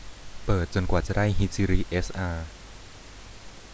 เปิดจนกว่าจะได้ฮิจิริเอสอา